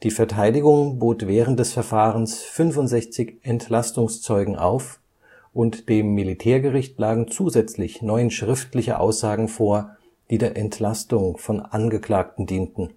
Verteidigung bot während des Verfahrens 65 Entlastungszeugen auf, und dem Militärgericht lagen zusätzlich neun schriftliche Aussagen vor, die der Entlastung von Angeklagten dienten